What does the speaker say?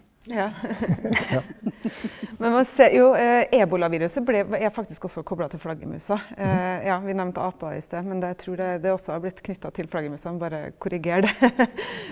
ja, men man ser jo ebolaviruset ble er faktisk også koblet til flaggermusene ja, vi nevnte aper i sted men det tror jeg det også har blitt knytta til flaggermusene, bare korriger det .